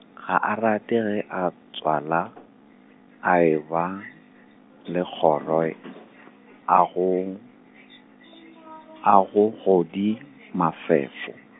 ga a rate ge a tswala, a eba , le kgoro i, a go, a go godi Mafefo.